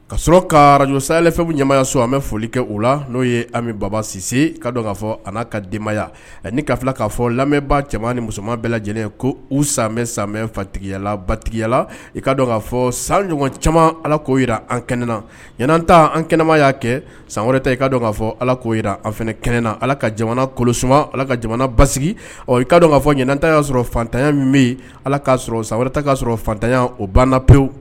Ka sɔrɔ kajfɛn ɲamayaso a bɛ foli kɛ o la n'o ye ami baba sise ka k'a fɔ a ka denbayaya ni ka k'a fɔ lamɛnbaa caman ni musoman bɛɛ lajɛlen ko u san san fatigiyala batigiyala i kaa dɔn ka'a fɔ san ɲɔgɔn caman ala k koo jira an kɛnɛ na ɲan ta an kɛnɛma y'a kɛ san wɛrɛ ta i ka k'a fɔ ala koo jira an fana kɛnɛ na ala ka jamana kolo suma ala ka jamana basigi ɔ i ka'a ɲan ta y'a sɔrɔ fatanya min bɛ yen ala k'a sɔrɔ san wɛrɛ ta k'a sɔrɔ fatanya o banna pewu